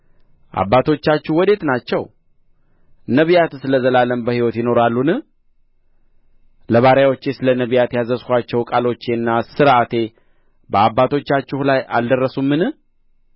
አባቶቻችሁ ወዴት ናቸው ነቢያትስ ለዘላለም በሕይወት ይኖራሉን ለባሪያዎቼስ ለነቢያት ያዘዝኋቸው ቃሎቼና ሥርዓቴ በአባቶቻችሁ ላይ አልደረሱምን